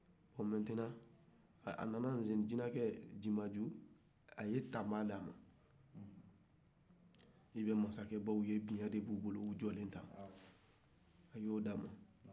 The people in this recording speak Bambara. bon maintenant a nana zen jinacɛ dumaju ye tama t'a ma i be masacɛw ye u bɛ jɔlen tan a ye o di a ma